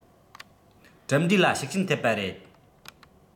གྲུབ འབྲས ལ ཤུགས རྐྱེན ཐེབས པ རེད